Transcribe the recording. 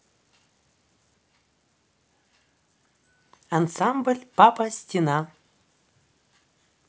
ансамбль папа стена